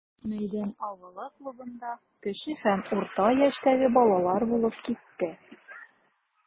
Мәйдан авылы клубында кече һәм урта яшьтәге балалар булып китте.